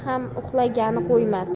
ham uxlagani qo'ymas